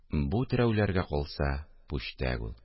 Бу терәүләргә калса – пүчтәк ул